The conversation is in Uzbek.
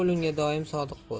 unga doim sodiq bo'l